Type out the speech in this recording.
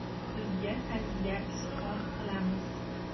sizga ta'ziya izhor qilamiz